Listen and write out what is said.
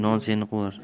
non seni quvar